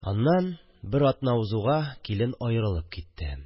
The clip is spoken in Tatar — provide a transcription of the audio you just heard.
Аннан... Бер атнага узуга, килен аерылып китте